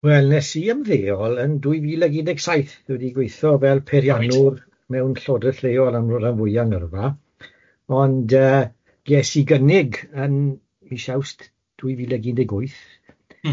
Wel wnes i ymddeol yn dwy fil ag un deg saith, wedi gweitho fel peiriannwr mewn llywodraeth leol am ran fwyaf o nyrfa, ond yy ges i gynnig yn mis Awst dwy fil ag un deg wyth... M-hm.